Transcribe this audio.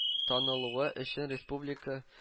Танылуы өчен республика